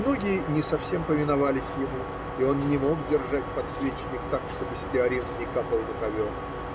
Ноги не совсем повиновались ему, и он не мог держать подсвечник так, чтобы стеарин не капал на ковер.